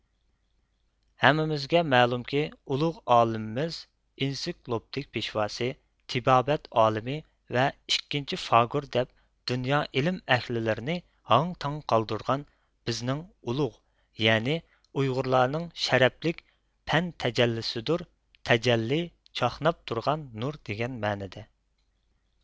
ھەممىمىزگە مەلۇمكى ئۇلۇغ ئالىمىز ئىنسىكلوپدىك پېشۋاسى تىبابەت ئالىمى ۋە ئىككىنچى فاگۇر دەپ دۇنيا ئىلىم ئەھلىلىرىنى ھاڭ تاڭ قالدۇرغان بىزنىڭ ئۇلۇغ يەنى ئۇيغۇرلارنىڭ شەرەپلىك پەن تەجەللىسىدۇر تەجەللى چاقناپ تۇرغان نۇر دىگەن مەنىدە